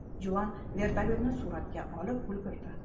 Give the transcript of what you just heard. juvon vertolyotni suratga olib ulgurdi